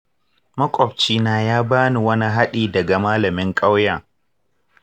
maƙoci na ya bani wani haɗi daga malamin ƙauyen.